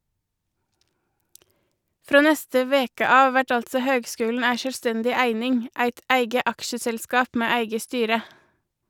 Frå neste veke av vert altså høgskulen ei sjølvstendig eining, eit eige aksjeselskap med eige styre.